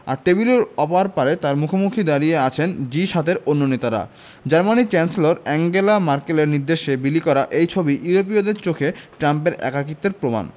আর টেবিলের অপর পারে তাঁর মুখোমুখি দাঁড়িয়ে আছেন জি ৭ এর অন্য নেতারা জার্মানির চ্যান্সেলর আঙ্গেলা ম্যার্কেলের নির্দেশে বিলি করা এই ছবি ইউরোপীয়দের চোখে ট্রাম্পের একাকিত্বের প্রমাণ